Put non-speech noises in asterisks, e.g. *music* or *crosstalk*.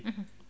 *hesitation* *hesitation*